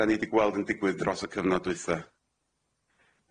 'Dan ni 'di gweld yn digwydd dros y cyfnod dwytha.